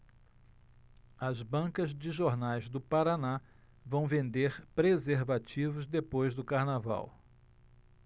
as bancas de jornais do paraná vão vender preservativos depois do carnaval